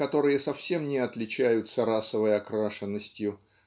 которые совсем не отличаются расовой окрашенностью